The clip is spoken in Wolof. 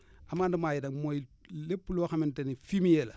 amandement yi nag mooy lépp loo xamante ni fumier la